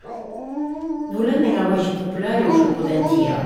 Nordlendinger var ikke populære i Oslo på den tida.